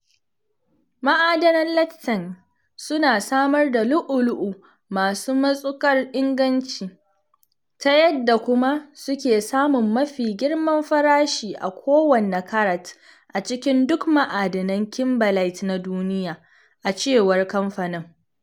Ma’adanan Letšeng suna samar da lu’u-lu’u masu mastuƙar inganci, ta yadda kuma suke samun mafi girman farashi a kowanne karat a cikin duk ma’adinan kimberlite na duniya, a cewar kamfanin.